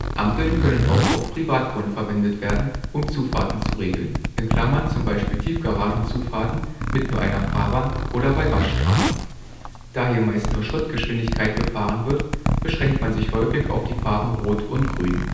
Ampeln können auch auf Privatgrund verwendet werden, um Zufahrten zu regeln (z. B. Tiefgaragen-Zufahrten mit nur einer Fahrbahn oder bei Waschstraßen). Da hier meist nur Schrittgeschwindigkeit gefahren wird, beschränkt man sich häufig auf die Farben Rot und Grün